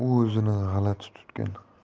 o'zini g'alati tutgan